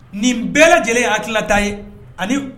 Nin bɛɛ lajɛlen ye hakilinata ye, ani